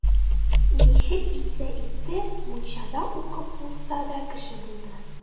Ничек итсә итте, мунчада укып булса да, кеше булды.